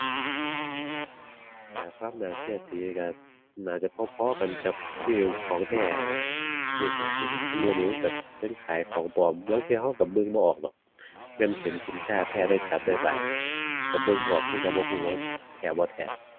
ก็ความน่าเชื่อถือก็น่าจะพอพอกันกับซื้อของแท้นั่นล่ะครับ ซื้อของจริงอะ ซุมื้อนี้มันก็เทิงขายของปลอม ลางเทื่อก็ก็เบิ่งบ่ออกหรอก แม่นเห็นสินค้าแท้ได้จับได้บาย ก็เบิ่งบ่ออกคือเก่า บ่ก็ว่าแท้บ่แท้